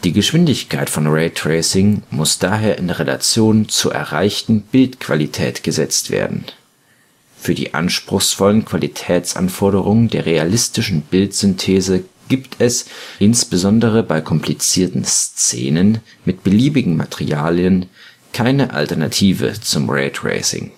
Geschwindigkeit von Raytracing muss daher in Relation zur erreichten Bildqualität gesetzt werden. Für die anspruchsvollen Qualitätsanforderungen der realistischen Bildsynthese gibt es, insbesondere bei komplizierten Szenen mit beliebigen Materialien, keine Alternative zu Raytracing